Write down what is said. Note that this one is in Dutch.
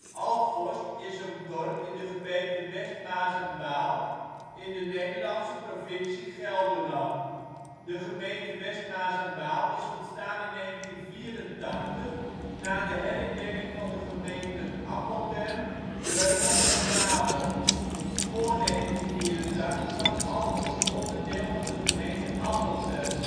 Altforst is een dorp in de gemeente West Maas en Waal, in de Nederlandse provincie Gelderland. De gemeente West Maas en Waal is ontstaan in 1984 na de herindeling van de gemeenten Appeltern, Dreumel en Wamel. Voor 1984 was Altforst onderdeel van de gemeente Appeltern